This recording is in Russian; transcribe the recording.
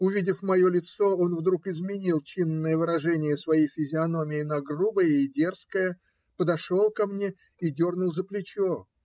Увидев мое лицо, он вдруг изменил чинное выражение своей физиономии на грубое и дерзкое, подошел ко мне и дернул за плечо